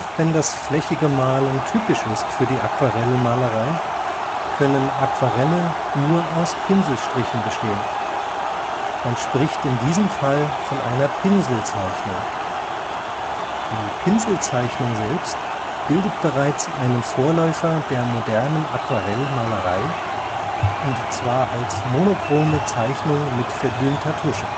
wenn das flächige Malen typisch ist für die Aquarellmalerei, können Aquarelle nur aus Pinselstrichen bestehen. Man spricht in diesem Fall von einer Pinselzeichnung. Die Pinselzeichnung selbst bildet bereits einen Vorläufer der modernen Aquarellmalerei, und zwar als monochrome Zeichnung mit verdünnter Tusche